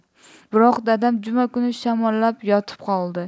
biroq dadam juma kuni shamollab yotib qoldi